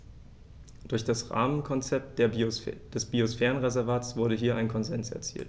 Durch das Rahmenkonzept des Biosphärenreservates wurde hier ein Konsens erzielt.